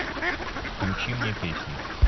включи мне песни